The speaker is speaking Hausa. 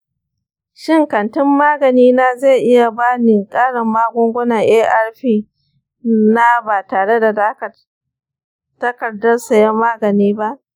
shin kantin maganina zai iya ba ni ƙarin magungunan arv na ba tare da takardar sayen magani ba?